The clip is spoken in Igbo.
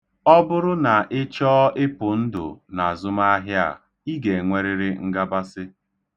Ọ bụrụ na ị chọọ ịpụ ndụ n'azụmaahịa a, ị ga-enwerịrị ngabasị.